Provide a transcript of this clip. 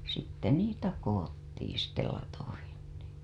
sitten niitä koottiin sitten latoihin niin